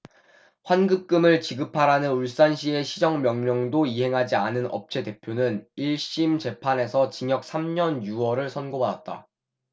환급금을 지급하라는 울산시의 시정명령도 이행하지 않은 업체대표는 일 심 재판에서 징역 삼 년 유 월을 선고받았다